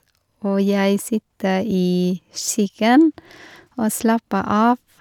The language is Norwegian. Og jeg sitte i skyggen og slappe av.